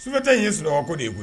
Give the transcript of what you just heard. Sokɛte in ye su ko de ye koyi